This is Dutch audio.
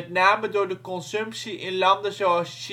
name door de consumptie in landen zoals